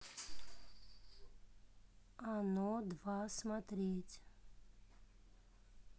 оно два смотреть